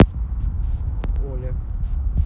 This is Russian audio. оля